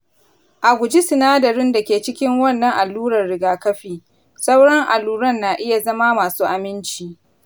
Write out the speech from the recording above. a guji sinadarin da ke cikin irin wannan allurar rigakafi. sauran allurai na iya zama masu aminci.